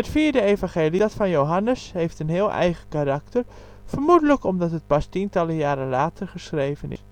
vierde evangelie, dat van Johannes, heeft een heel eigen karakter, vermoedelijk omdat het pas tientallen jaren later geschreven is